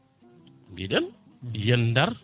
mbiɗen yen daar